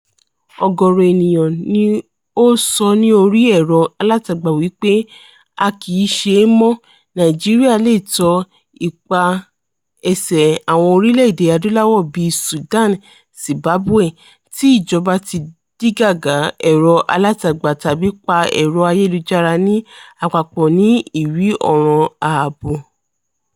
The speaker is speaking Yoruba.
Ọ̀gọ̀rọ̀ ènìyàn ni ó sọ ní orí ẹ̀rọ-alátagbà wípé a kì í ṣe é mọ̀, Nàìjíríà lè tọ ipa ẹsẹ̀ àwọn orílẹ̀-èdè Adúláwọ̀ [bíi Sudan, Zimbabwe] tí ìjọba ti dígàgá ẹ̀rọ-alátagbà tàbí pa ẹ̀rọ-ayélujára ní àpapọ̀ ní ìrí ọ̀ràn ààbò.